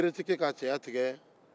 bere tɛ kɛ k'a cɛya tigɛ